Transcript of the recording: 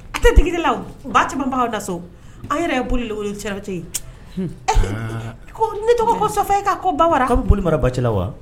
A tɛ tigiigi la ba camanbagaw na so an yɛrɛ ye boli la ca cɛ ye ne tɔgɔ kosɔ e ka ko ba ka boli mara bacila wa